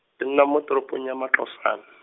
ke nna mo toropong ya matlo fan-.